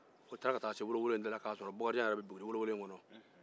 u taara se wolowolo in da la bakarijan yɛrɛ be wolowolo in kɔnɔ